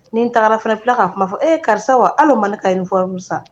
Ni tagarafana fula k ka f kuma fɔ e ye karisa wa hali mali ka ɲɛfɔsa